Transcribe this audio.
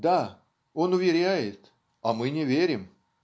Да, он уверяет, а мы не верим.